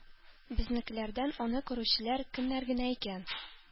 Безнекеләрдән аны күрүчеләр кемнәр генә икән?